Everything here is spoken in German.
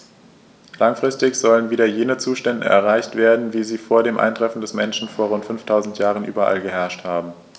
Langfristig sollen wieder jene Zustände erreicht werden, wie sie vor dem Eintreffen des Menschen vor rund 5000 Jahren überall geherrscht haben.